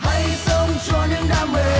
hãy sống cho những đam mê